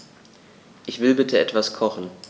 Ich will bitte etwas kochen.